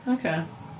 Ocê.